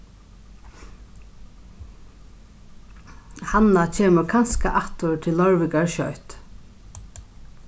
hanna kemur kanska aftur til leirvíkar skjótt